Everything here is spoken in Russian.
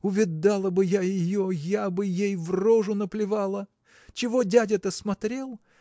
Увидала бы я ее, я бы ей в рожу наплевала. Чего дядя-то смотрел?